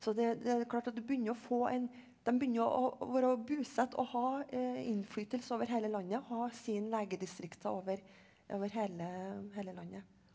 så det det er det klart at du begynner å få en dem begynner jo å å være bosatt og ha innflytelse over hele landet ha sin legedistrikter over over hele hele landet.